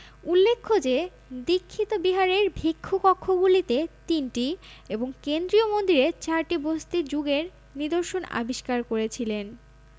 উল্লেখ্য যে দীক্ষিত বিহারের ভিক্ষু কক্ষগুলিতে তিনটি এবং কেন্দ্রীয় মন্দিরে চারটি বসতি যুগের নিদর্শন আবিষ্কার করেছিলেন